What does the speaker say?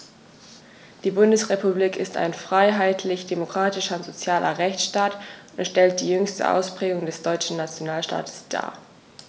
Die Bundesrepublik ist ein freiheitlich-demokratischer und sozialer Rechtsstaat und stellt die jüngste Ausprägung des deutschen Nationalstaates dar.